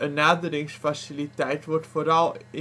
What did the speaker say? naderingsfaciliteit wordt, vooral